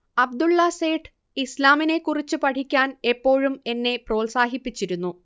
അബ്ദുള്ള സേഠ് ഇസ്ലാമിനേക്കുറിച്ച് പഠിക്കാൻ എപ്പോഴും എന്നെ പ്രോത്സാഹിപ്പിച്ചിരുന്നു